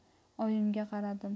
oyimga qaradim